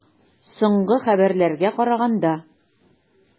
Соңгы хәбәрләргә караганда.